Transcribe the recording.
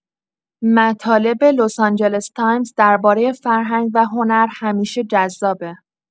مطالب لس‌آنجلس تایمز درباره فرهنگ و هنر همیشه جذابه.